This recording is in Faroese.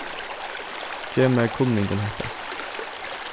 gev mær kunning um hetta